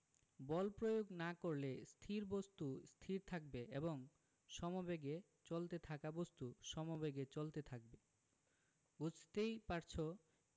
বল প্রয়োগ না করলে স্থির বস্তু স্থির থাকবে এবং সমেবেগে চলতে থাকা বস্তু সমেবেগে চলতে থাকবে বুঝতেই পারছ